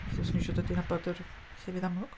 Ella 'swn i isio dod i nabod yr... llefydd amlwg.